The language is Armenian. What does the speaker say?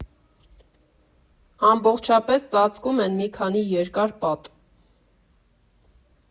Ամբողջապես ծածկում են մի քանի երկար պատ։